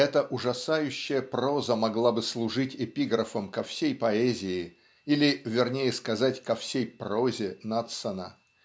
эта ужасающая проза могла бы служить эпиграфом ко всей поэзии или вернее сказать ко всей прозе Надсона.